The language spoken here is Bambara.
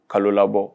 Kalo labɔ